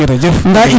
jerjef